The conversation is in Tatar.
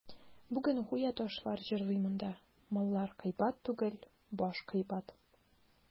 Бүген гүя ташлар җырлый монда: «Маллар кыйбат түгел, баш кыйбат».